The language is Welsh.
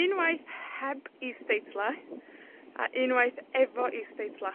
Unwaith heb isdeitla, a unwaith efo isdeitla.